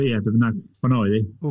Ie, dyna oedd hi.